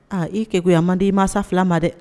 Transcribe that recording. Aa i kekuya man di i masa fila ma dɛ